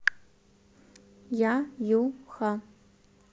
я ю ха